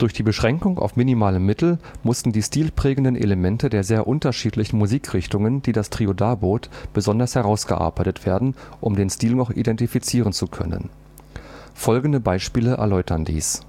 die Beschränkung auf minimale Mittel mussten die stilprägenden Elemente der sehr unterschiedlichen Musikrichtungen, die das Trio darbot, besonders herausgearbeitet werden, um den Stil noch identifizieren zu können. Folgende Beispiele erläutern dies